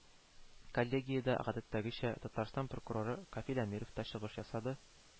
Коллегиядә, гадәттәгечә, Татарстан прокуроры Кафил Әмиров та чыгыш ясады